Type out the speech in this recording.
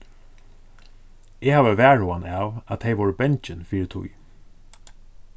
eg havi varhugan av at tey vóru bangin fyri tí